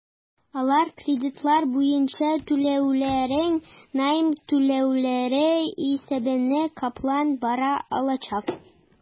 Алар кредитлар буенча түләүләрен найм түләүләре исәбенә каплап бара алачак.